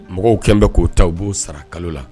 Mɔgɔw kɛlen bɛ k'o ta u b'o sara kalo la